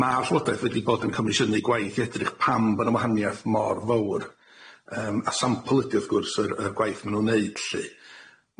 Ma'r llywodraeth wedi bod yn comishiynu gwaith i edrych pam bo 'na wahaniath mor fowr yym a sampl ydi wrth gwrs yr yy gwaith ma' nw'n neud lly.